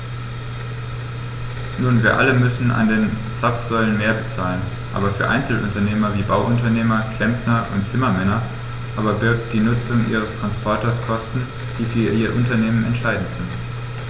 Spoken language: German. Nun wir alle müssen an den Zapfsäulen mehr bezahlen, aber für Einzelunternehmer wie Bauunternehmer, Klempner und Zimmermänner aber birgt die Nutzung ihres Transporters Kosten, die für ihr Unternehmen entscheidend sind.